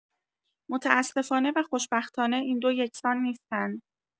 متاسفانه و خوشبختانه، این دو یکسان نیستند.